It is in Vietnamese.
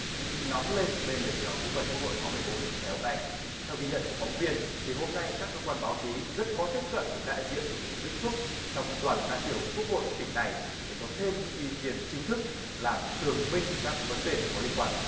cũng nóng lên bên lề kỳ họp thứ bảy quốc hội khóa mười bốn ngày hôm nay theo ghi nhận của phóng viên thì hôm nay các cơ quan báo chí rất khó tiếp cận được đại diện của tỉnh vĩnh phúc trong đoàn đại biểu quốc hội tỉnh này để có thêm những ý kiến chính thức làm tường minh các vấn đề có liên quan